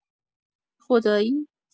خدایی؟